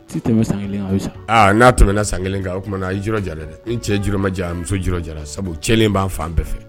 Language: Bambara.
N'a tɛmɛna san kelen kan o tumana a ye ji ja dɛ ni cɛ ma muso jara sabu cɛ b'a fan bɛɛ fɛ